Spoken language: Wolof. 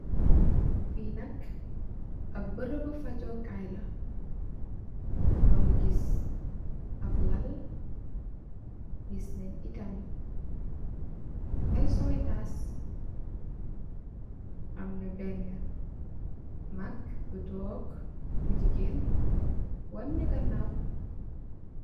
Fee nak ab berebu fajukayla nuge giss ab lal giss nen eh tamin aye swetass amna bene mag bu togke bu jegain wannju ganaw.